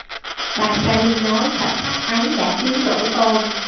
bà sally nói khoảnh khắc ấy đã cứu rỗi tôi